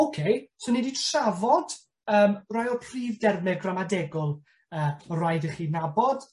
Oce, so ni 'di trafod yym rhai o'r prif derme gramadegol yy ma' raid i chi nabod.